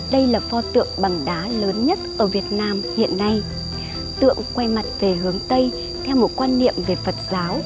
đây là pho tượng bằng đá lớn nhất ở việt nam hiện nay tượng quay mặt về hướng tây theo một quan niệm về phật giáo